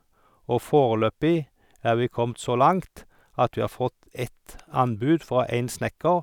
Og foreløpig er vi kommet så langt at vi har fått ett anbud fra én snekker.